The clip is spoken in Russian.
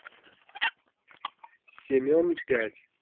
семен пять